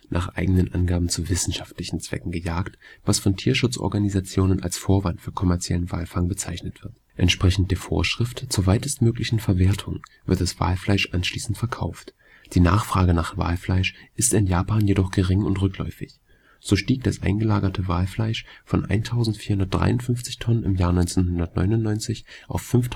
nach eigenen Angaben zu wissenschaftlichen Zwecken gejagt, was von Tierschutzorganisationen als Vorwand für kommerziellen Walfang bezeichnet wird. Entsprechend der Vorschrift zur weitestmöglichen Verwertung wird das Walfleisch anschließend verkauft; die Nachfrage nach Walfleisch ist in Japan jedoch gering und rückläufig. So stieg das eingelagerte Walfleisch von 1.453 t im Jahr 1999 auf 5.093